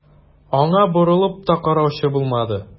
Аңа борылып та караучы булмады.